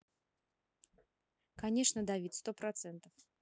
конечно david сто процентов